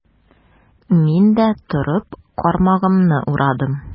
Мин дә, торып, кармагымны урадым.